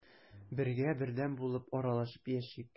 Бергә, бердәм булып аралашып яшик.